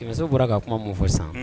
Kɛmɛso bɔra ka kuma mun fɔ sisan, Un.